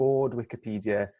bod wicipedie